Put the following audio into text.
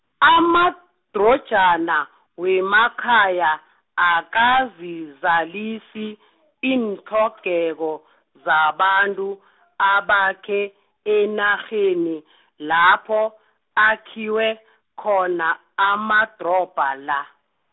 amadrojana wemakhaya, akazizalisi , iintlhogeko, zabantu, abakhe, enarheni, lapho, akhiwe, khona amadrobha la.